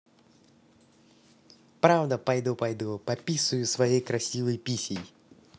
правда пойду пойду пописаю своей красивой писей